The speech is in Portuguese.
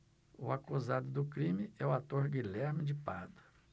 o acusado do crime é o ator guilherme de pádua